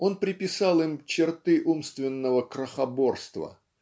Он приписал им черты умственного крохоборства